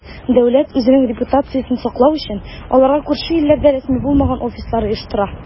Дәүләт, үзенең репутациясен саклау өчен, аларга күрше илләрдә рәсми булмаган "офислар" оештыра.